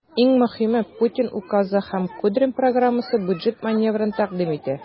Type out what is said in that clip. Иң мөһиме, Путин указы һәм Кудрин программасы бюджет маневрын тәкъдим итә.